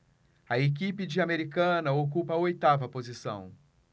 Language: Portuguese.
a equipe de americana ocupa a oitava posição